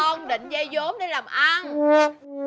con định vay vốn để làm ăn nên